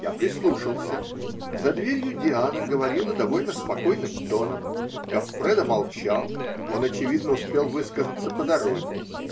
Я прислушался: за дверью Диана говорила довольно спокойным тоном, Гоффредо молчал -- он, очевидно, успел высказаться по дороге.